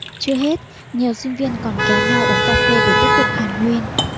chưa hết nhiều sinh viên còn kéo nhau uống cà phê để tiếp tục hàn huyên